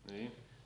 niin